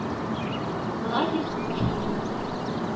Болай дип сүз башлады: